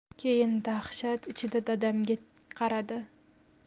keyin dahshat ichida dadamga qaradi